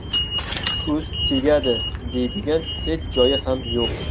ko'z tegadi deydigan hech joyi ham yo'q